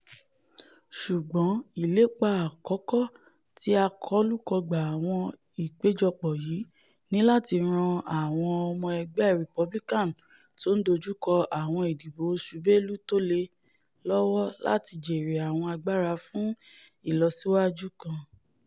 Ṣùgbọ́n ìlépa àkọ́kọ́ ti àkọlùkọgbà àwọn ìpéjọpò yìí ní láti ràn àwọn ọmọ ẹgbẹ́ Republicans tó ńdojúkọ àwọn ìdìbò oṣù Bélú tóle lọ́wọ́ láti jèrè àwọn agbara fún ìlọsíwájú kan.